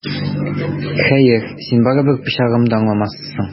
Хәер, син барыбер пычагым да аңламассың!